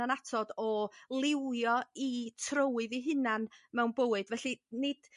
annatod o liwio i trowydd eu hunain mewn bywyd felly nid